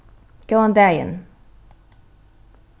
góðan dagin